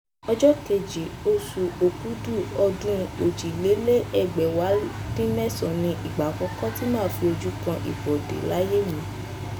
Ọjọ́ Kejì oṣù Òkudù ọdún 2011 ni ìgbà àkọ́kọ́ tí màá fi ojú kan ibodè láyé mi.